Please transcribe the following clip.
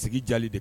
Sigi jali de